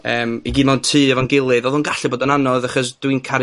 yym, i gyd mewn tŷ efo'n gilydd, odd o'n gallu bod yn anodd, achos dwi'n caru